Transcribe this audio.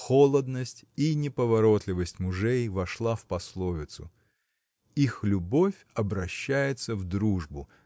Холодность и неповоротливость мужей вошла в пословицу. Их любовь обращается в дружбу!